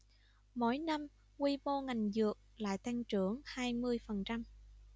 mỗi năm quy mô ngành dược lại tăng trưởng hai mươi phần trăm